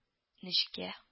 Нечкә